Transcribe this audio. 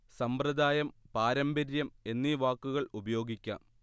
സമ്പ്രദായം പാരമ്പര്യം എന്നീ വാക്കുകൾ ഉപയോഗിക്കാം